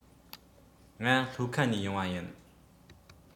ང ལྷོ ཁ ནས ཡོང པ ཡིན